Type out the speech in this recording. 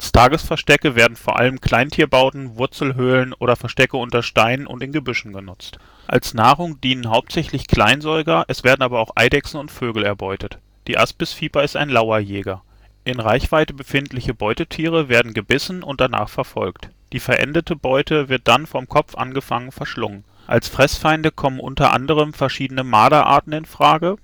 Tagesverstecke werden vor allem Kleintierbauten, Wurzelhöhlen oder Verstecke unter Steinen und in Gebüschen genutzt. Als Nahrung dienen hauptsächlich Kleinsäuger, es werden aber auch Eidechsen und Vögel erbeutet. Die Aspisviper ist ein „ Lauerjäger “. In Reichweite befindliche Beutetiere werden gebissen und danach verfolgt. Die verendete Beute wird dann vom Kopf angefangen verschlungen. Als Fressfeinde kommen unter anderem verschiedene Marderarten in Frage